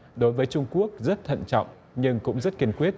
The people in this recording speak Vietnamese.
đối với trung quốc rất thận trọng nhưng cũng rất kiên quyết